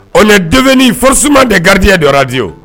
O den fsiman de garidiya de aradi ye